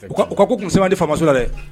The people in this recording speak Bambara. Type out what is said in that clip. U ko ko se di fa so la dɛ